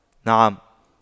نعم